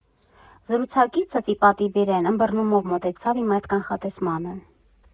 Զրուցակիցս, ի պատիվ իրեն, ըմբռնումով մոտեցավ իմ այդ կանխատեսմանը։